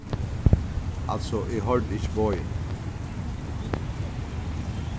altso eg hoyrdi ikki boðini